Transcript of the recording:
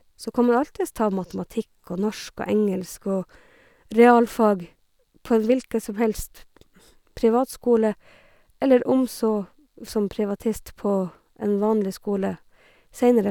Så kan man alltids ta matematikk og norsk og engelsk og realfag på en hvilken som helst privatskole, eller om så som privatist på en vanlig skole, seinere.